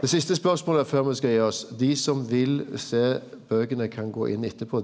det siste spørsmålet før me skal gi oss dei som vil sjå bøkene kan gå inn etterpå.